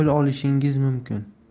pul olishingiz mumkin